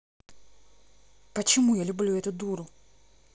почему я люблю эту дуру